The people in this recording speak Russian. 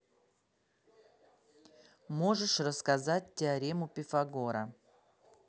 можешь рассказать теорему пифагора